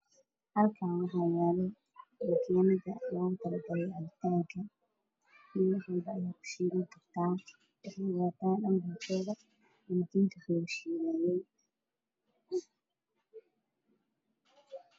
Waa makiinadda wax lagu sheego midabkeedu yahay midooday hadays darbiga ka dambeeyay waa cadan